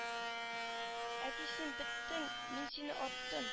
Әти син беттең мин сине аттым